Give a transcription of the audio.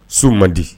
Su man di